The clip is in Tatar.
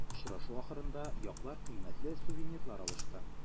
Очрашу ахырында яклар кыйммәтле сувенирлар алышты.